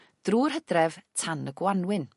drw'r Hydref tan y Gwanwyn.